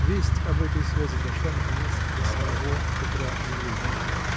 весть об этой связи дошла, наконец, до самого Петра Андреича.